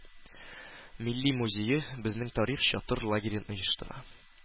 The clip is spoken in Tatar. Милли музее Безнең тарих чатыр лагерен оештыра.